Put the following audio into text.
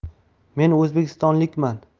men o'zbekistonlikman